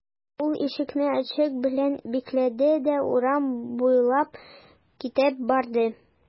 Ул ишекне ачкыч белән бикләде дә урам буйлап китеп барды.